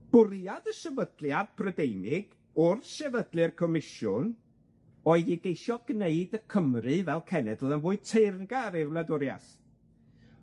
Bwriad y sefydliad Brydeinig wrth sefydlu'r comisiwn oedd i geisio gneud y Cymry fel cenedl yn fwy teyrngar i'r wladwriath.